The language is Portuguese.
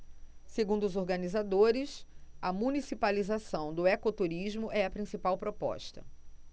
segundo os organizadores a municipalização do ecoturismo é a principal proposta